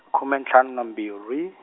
khume ntlhanu na mbirhi.